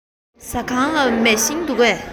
ཟ ཁང ལ མེ ཤིང འདུག གས